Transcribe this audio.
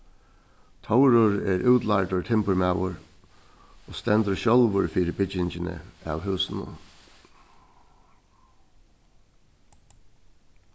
tórur er útlærdur timburmaður og stendur sjálvur fyri byggingini av húsinum